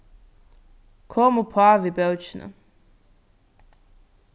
kom uppá við bókini